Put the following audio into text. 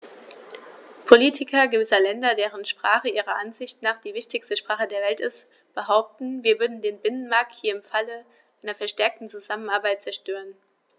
Politiker gewisser Länder, deren Sprache ihrer Ansicht nach die wichtigste Sprache der Welt ist, behaupten, wir würden den Binnenmarkt hier im Falle einer verstärkten Zusammenarbeit zerstören.